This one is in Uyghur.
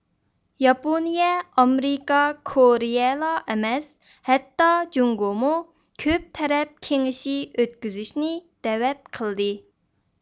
ياپونىيە ئامېرىكا كورىيىلا ئەمەس ھەتتا جۇڭگومۇ كۆپ تەرەپ كېڭىشى ئۆتكۈزۈشنى دەۋەت قىلدى